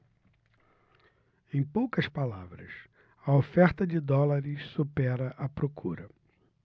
em poucas palavras a oferta de dólares supera a procura